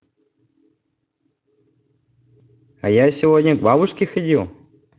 а я сегодня к бабушке ходили